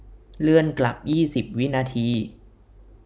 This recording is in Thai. เลื่อนกลับยี่สิบวินาที